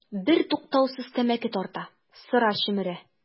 Бертуктаусыз тәмәке тарта, сыра чөмерә.